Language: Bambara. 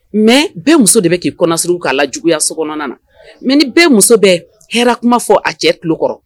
Mais bɛɛ muso de bɛ k'i kɔnɔnasuru k'a lajuguya sokɔnɔna na, mais ni bɛɛ muso bɛ hɛrɛ kuma fɔ a cɛ tulo kɔrɔ